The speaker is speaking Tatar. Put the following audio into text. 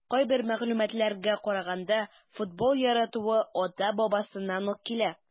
Кайбер мәгълүматларга караганда, футбол яратуы ата-бабасыннан ук килә.